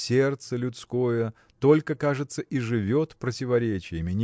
Сердце людское только, кажется, и живет противоречиями